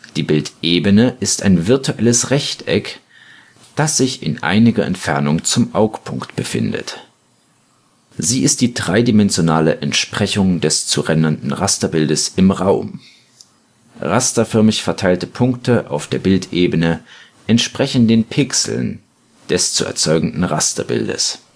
Die Bildebene ist ein virtuelles Rechteck, das sich in einiger Entfernung zum Augpunkt befindet. Sie ist die dreidimensionale Entsprechung des zu rendernden Rasterbildes im Raum. Rasterförmig verteilte Punkte auf der Bildebene entsprechen den Pixeln des zu erzeugenden Rasterbildes